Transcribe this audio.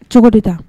Cogodi tan ?